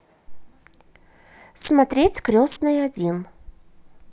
смотреть крестный один